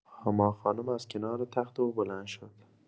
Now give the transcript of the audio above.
هما خانم از کنار تخت او بلند شد.